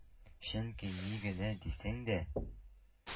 Чөнки, ни генә дисәң дә,